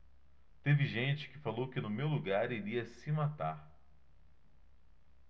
teve gente que falou que no meu lugar iria se matar